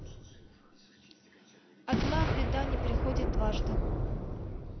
одна беда не приходит дважды